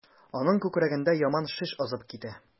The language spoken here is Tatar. Аның күкрәгендәге яман шеш азып китә.